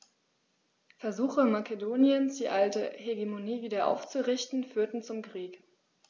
Versuche Makedoniens, die alte Hegemonie wieder aufzurichten, führten zum Krieg.